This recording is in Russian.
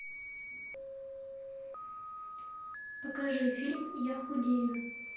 покажи фильм я худею